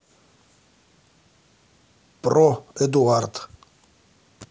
про эдуард